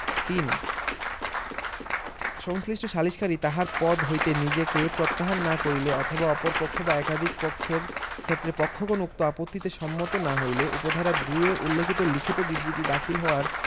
৩ সংশ্লিষ্ট সালিসকারী তাহার পদ হইতে নিজেকে প্রত্যাহার না করিলে অথবা অপর পক্ষ বা একাধিক পক্ষের কেষত্রে পক্ষগণ উক্ত আপত্তিতে সম্মত না হইরে উপ ধারা ২ এ উল্লেখিত লিখিত বিবৃতি দাখিল হওয়ার